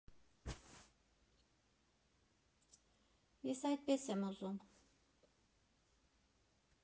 Ես այդպես եմ ուզում։